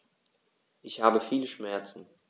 Ich habe viele Schmerzen.